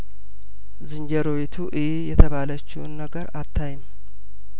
ዝንጀሮዪቱ እዪ የተባለችውን ነገር አታይም